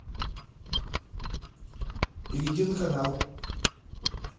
перейди на канал